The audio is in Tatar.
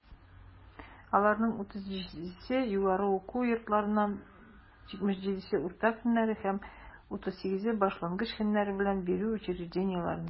Аларның 137 се - югары уку йортларыннан, 77 - урта һөнәри һәм 38 башлангыч һөнәри белем бирү учреждениеләреннән.